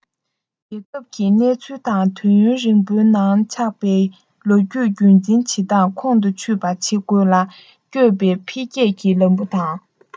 རྒྱལ ཁབ ཀྱི གནས ཚུལ དང དུས ཡུན རིང པོའི ནང ཆགས པའི ལོ རྒྱུས རྒྱུན འཛིན བྱེད སྟངས ཁོང དུ ཆུད པ བྱེད དགོས ལ བསྐྱོད པའི འཕེལ རྒྱས ཀྱི ལམ བུ དང